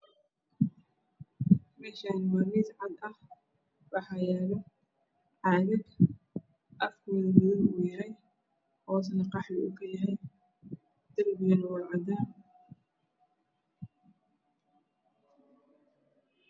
Meshan wa mis cadeh waxa yaalo cagag Afkod madow yahay hosna qaxwi okuyahayderbigana waacadan